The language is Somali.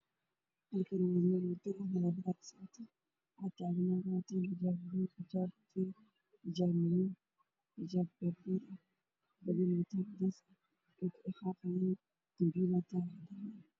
Waa meel laami ah oo loo qayb ah waxaa xaq ah iyo islaam weyn wataan dhar madow cambaayado ah iyo nin